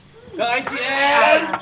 các anh chị em